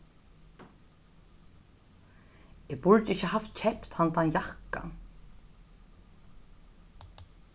eg burdi ikki havt keypt handan jakkan